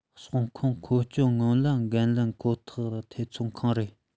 ཟོག ཁུངས མཁོ སྤྲོད སྔོན ལ འགན ལེན ཁོ ཐག ཐད ཚོང ཁང རེད